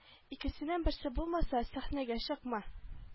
Икесенең берсе булмаса сәхнәгә чыкма